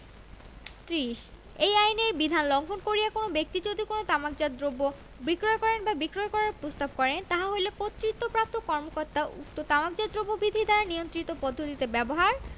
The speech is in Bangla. ৩০ এই আইনের বিধান লংঘন করিয়া কোন ব্যক্তি যদি কোন তামাকজাত দ্রব্য বিক্রয় করেন বা বিক্রয় করার প্রস্তাব করেন তাহা হইলে কর্তৃত্বপ্রাপ্ত কর্মকর্তা উক্ত তামাকজাত দ্রব্য বিধি দ্বারা নির্ধারিত পদ্ধতিতে ব্যবহার